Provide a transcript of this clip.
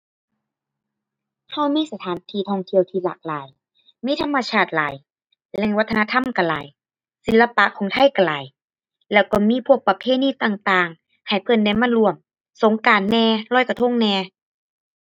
เรามีสถานที่ท่องเที่ยวที่หลากหลาย มีธรรมชาติหลาย แหล่งวัฒนธรรมเราหลาย ศิลปะของไทยเราหลาย แล้วก็มีพวกประเพณีต่างต่างให้เพิ่นได้มาร่วม สงกรานต์แหน่ ลอยกระทงแหน่